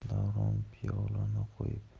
davron piyolani qo'yib